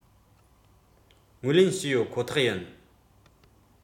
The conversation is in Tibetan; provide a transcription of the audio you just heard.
ངོས ལེན ཞུས ཡོད ཁོ ཐག ཡིན